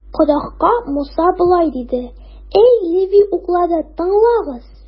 Корахка Муса болай диде: Әй Леви угыллары, тыңлагыз!